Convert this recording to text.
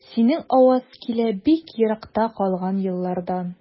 Синең аваз килә бик еракта калган еллардан.